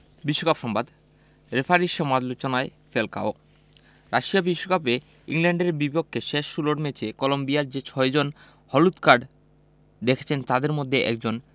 বিশ্বকাপ সংবাদ রেফারির সমালোচনায় ফ্যালকাও রাশিয়া বিশ্বকাপে ইংল্যান্ডের বিপক্ষে শেষ ষোলোর ম্যাচে কলম্বিয়ার যে ছয়জন খেলোয়াড় হলুদ কার্ড দেখেছেন তাদের একজন